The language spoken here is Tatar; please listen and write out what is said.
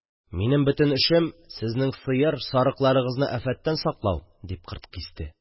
– минем бөтен эшем сезнең сыер, сарыкларыгызны афаттан саклау, – дип кырт кисте.